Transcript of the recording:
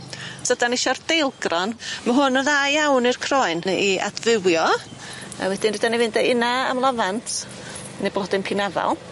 So 'dan ni isio'r deilgron ma' hwn yn dda iawn i'r croen neu i adfywio a wedyn rydan ni fynd â una' am lafant neu blodyn pinafal.